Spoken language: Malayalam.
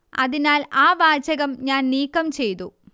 അതിനാൽ ആ വാചകം ഞാൻ നീക്കം ചെയ്തു